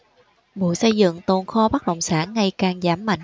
bộ xây dựng tồn kho bất động sản ngày càng giảm mạnh